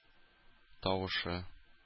Тавышы